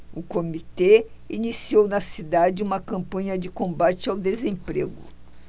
o comitê iniciou na cidade uma campanha de combate ao desemprego